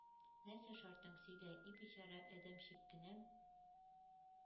— нәрсә шартың, сөйлә, и бичара адәмчеккенәм?